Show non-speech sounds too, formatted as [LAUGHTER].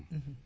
[HESITATION] [HESITATION]